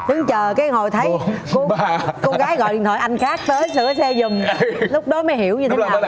đứng chờ cái hồi thấy cô cô gái gọi điện thoại anh khác tới sửa xe giùm lúc đó mới hiểu như thế nào